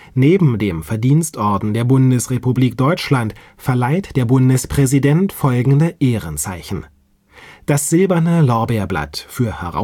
Neben dem Verdienstorden der Bundesrepublik Deutschland verleiht der Bundespräsident folgende Ehrenzeichen: das Silberne Lorbeerblatt für